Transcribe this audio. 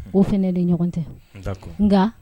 O fɛnɛ de ɲɔgɔn tɛ d'accord nga